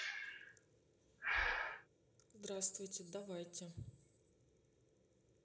здравствуй давайте